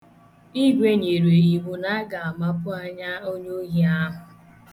Igwe nyere iwu na a ga-amapu anya onyeohi ahụ.